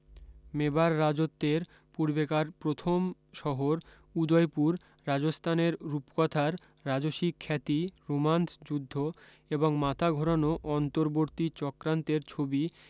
মেবার রাজত্বের পূর্বেকার প্রথম শহর উদয়পুর রাজস্থানের রূপকথার রাজসিক খ্যাতি রোমান্স যুদ্ধ এবং মাথা ঘোরানো অন্তরবর্তী চক্রান্তের ছবি